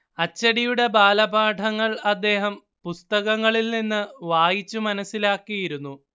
അച്ചടിയുടെ ബാലപാഠങ്ങൾ അദ്ദേഹം പുസ്തകങ്ങളിൽ നിന്ന് വായിച്ച് മനസ്സിലാക്കിയിരുന്നു